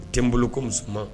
Den bolo ko musoman